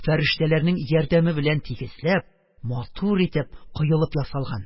Фәрештәләрнең ярдәме белән тигезләп, матур итеп, коелып ясалган.